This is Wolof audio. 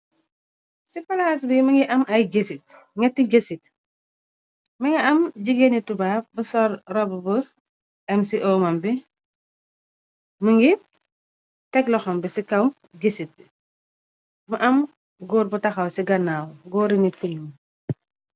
Ci palaas bi mi ngi am ay gésit ngetti gésit mi ngi am jigéeni tubab bu sol roubu bu m ci omam bi mi ngi teg loxam bi ci kaw gésit bi my am góor bu taxaw ci gannaawu góori neete ku nuul.